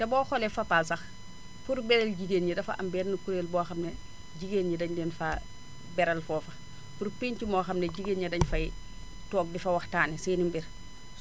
te boo xoolee Fapal sax pour bayal jigéen éni dafa am benn kuréel boo xam ne jigéen ñi dañu leen faa beral foofu pour penc moo xam ne jigéen ña daénu fay toog di fa waxtaane seen mbir